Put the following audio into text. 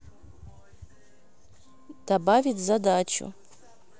добавить задачу